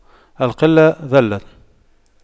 القلة ذلة